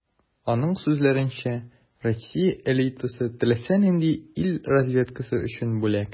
Аның сүзләренчә, Россия элитасы - теләсә нинди ил разведкасы өчен бүләк.